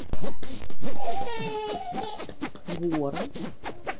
горы